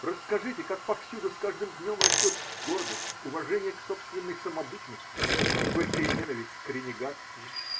Расскажите, как повсюду с каждый днем растет гордость, уважение к собственной самобытности и горькая ненависть к ренегатству